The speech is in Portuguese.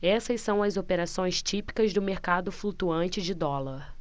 essas são as operações típicas do mercado flutuante de dólar